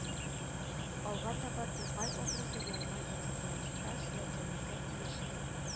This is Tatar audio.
Алга таба Тукай образы яңа яссыллыкта сурәтләнергә тиеш иде